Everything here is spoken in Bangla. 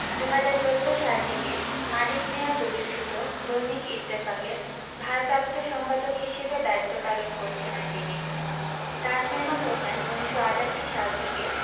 ২০১৪ সাল থেকে মানিক মিঞা প্রতিষ্ঠিত দৈনিক ইত্তেফাকের ভারপ্রাপ্ত সম্পাদক হিসেবে দায়িত্ব পালন করছিলেন তিনি তাসমিমা হোসেন ১৯৮৮ সাল থেকে